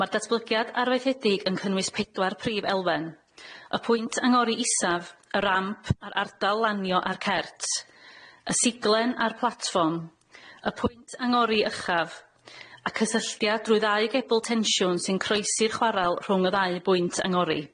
Ma'r datblygiad arfaethedig yn cynnwys pedwar prif elfen y pwynt angori isaf y ramp a'r ardal lanio ar cert y siglen a'r platfform y pwynt angori uchaf a cysylltia drwy ddau gebl tensiwn sy'n croesi'r chwaral rhwng y ddau bwynt angori.